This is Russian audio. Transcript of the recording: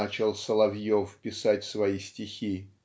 начал Соловьев писать свои стихи.